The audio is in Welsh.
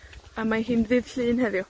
A mae hi'n ddydd Llun heddiw.